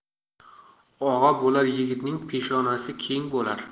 og'a bo'lar yigitning peshonasi keng bo'lar